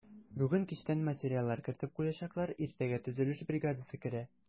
Бүген кичтән материаллар кертеп куячаклар, иртәгә төзелеш бригадасы керә.